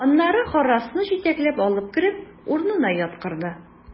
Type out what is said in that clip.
Аннары Харрасны җитәкләп алып кереп, урынына яткырды.